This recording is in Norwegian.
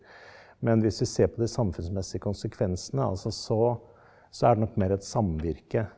men hvis vi ser på de samfunnsmessige konsekvensene altså så så er det nok mer et samvirke.